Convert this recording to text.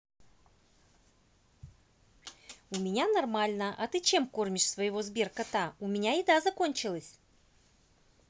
у меня нормально а ты чем кормишь своего сберкота у меня еда закончилась